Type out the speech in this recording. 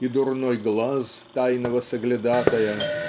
и дурной глаз тайного соглядатая